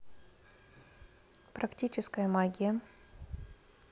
практическая магия